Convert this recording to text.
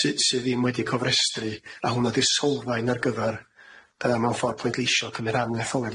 sy- sydd ddim wedi cofrestru a hwnna di'r sylfaen ar gyfar yy mewn ffor' pwyntleisio cymyd ran etholiad.